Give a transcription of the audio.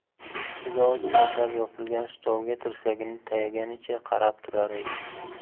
ustiga oq choyshab yopilgan stolga tirsagini tayaganicha qarab turar edi